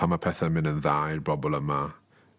pan ma' pethe'n myn' yn dda i'r bobol yma